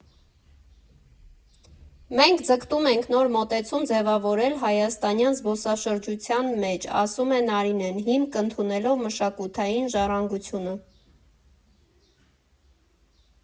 Մենք ձգտում ենք նոր մոտեցում ձևավորել Հայաստանյան զբոսաշրջության մեջ,֊ ասում է Նարինեն,֊ հիմք ընդունելով մշակութային ժառանգությունը։